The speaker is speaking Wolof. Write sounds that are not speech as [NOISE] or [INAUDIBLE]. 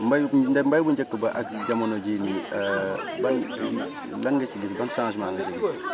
mbayub mbay bu njëkk ba ak jamono jii nii [HESITATION] [CROSSTALK] ban lan nga ci gis ban changement nga ci gis [CROSSTALK]